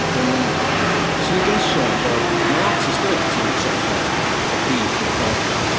'Di o'm yn d... 'swn i'n gesio bod mae lot o stwff ti'n byta fatha, fatha beef neu pork neu rywbeth...